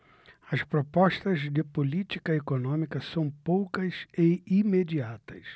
as propostas de política econômica são poucas e imediatas